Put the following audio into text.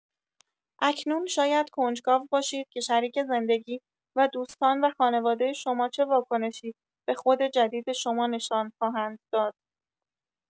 اکنون شاید کنجکاو باشید که شریک زندگی و دوستان و خانواده شما چه واکنشی به خود جدید شما نشان خواهند داد.